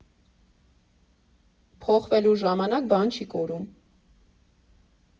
Փոխվելու ժամանակ, բան չի կորում։